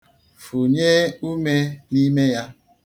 Fụ̀nye umē n'ime ya.